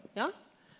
ja.